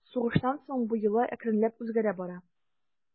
Сугыштан соң бу йола әкренләп үзгәрә бара.